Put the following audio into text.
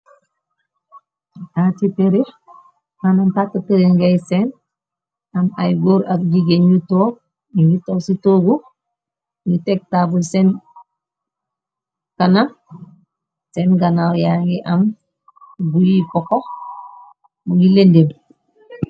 Taati peri, nanam tàtt peri ngay seen, am ay góor ak jigeen ñu toog, ngi toog ci toogu, ñu teg taabul seen kanam, seen ganaaw yaa ngi am buyi koko, mu gi lendeeb.